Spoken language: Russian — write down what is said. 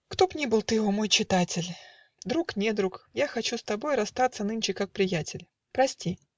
Кто б ни был ты, о мой читатель, Друг, недруг, я хочу с тобой Расстаться нынче как приятель. Прости.